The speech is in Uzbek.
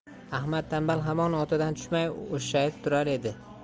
ahmad tanbal hamon otidan tushmay o'shshayib turar